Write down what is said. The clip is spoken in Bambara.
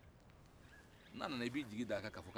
yɛlɛko